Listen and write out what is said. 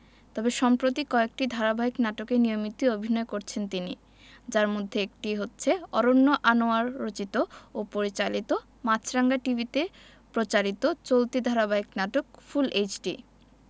তবে সম্প্রতি কয়েকটি ধারাবাহিক নাটকে নিয়মিতই অভিনয় করছেন তিনি তার মধ্যে একটি হচ্ছে অরন্য আনোয়ার রচিত ও পরিচালিত মাছরাঙা টিভিতে প্রচার চলতি ধারাবাহিক নাটক ফুল এইচডি